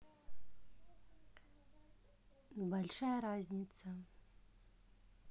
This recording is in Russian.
большая разница